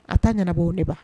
A ta ɲɛnaanabɔ ne de ba